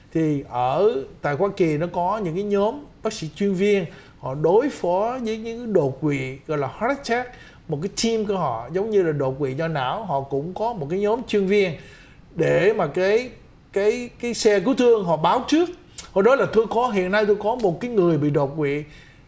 thì ở tại hoa kỳ đã có những nhóm bác sĩ chuyên viên họ đối phó với những đột quỵ gọi là hờ chít hát một cái chim của họ giống như đột quỵ do não họ cũng có một nhóm chuyên viên để mà kí kí kí xe cứu thương họp báo trước đó là thứ khó hiện nay tôi có một người bị đột quỵ